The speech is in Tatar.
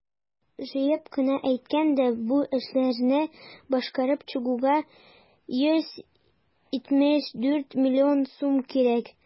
Җыеп кына әйткәндә, бу эшләрне башкарып чыгуга 174 млн сум кирәк.